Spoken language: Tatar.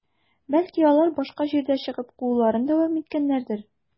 Бәлки, алар башка җирдә чыгып, кууларын дәвам иткәннәрдер?